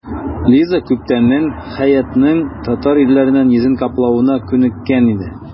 Лиза күптәннән Хәятның татар ирләреннән йөзен каплавына күнеккән иде.